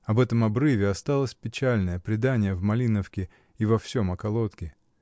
Об этом обрыве осталось печальное предание в Малиновке и во всем околотке.